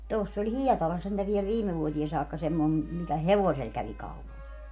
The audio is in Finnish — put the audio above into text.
tuossa oli Hietalassa sentään vielä viime vuoteen saakka semmoinen mikä hevosella kävi kaupalla